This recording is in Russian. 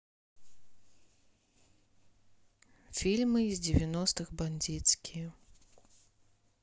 фильмы из девяностых бандитские